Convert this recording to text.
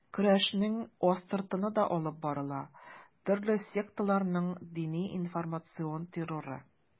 Көрәшнең астыртыны да алып барыла: төрле секталарның дини-информацион терроры.